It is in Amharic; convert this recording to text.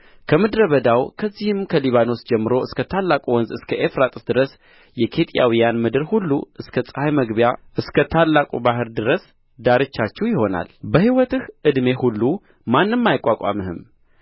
ከምድረ በዳው ከዚህም ከሊባኖስ ጀምሮ እስከ ታላቁ ወንዝ እስከ ኤፍራጥስ ድረስ የኬጥያውያን ምድር ሁሉ እስከ ፀሐይ መግቢያ እስከ ታላቁ ባሕር ድረስ ዳርቻችሁ ይሆናል በሕይወትህ ዕድሜ ሁሉ ማንም አይቋቋምህም